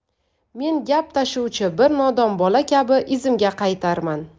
men gap tashuvchi bir nodon bola kabi izimga qaytarman